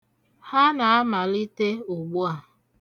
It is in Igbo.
Ha na-amalite ugbu a.